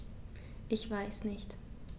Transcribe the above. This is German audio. Ich weiß nicht.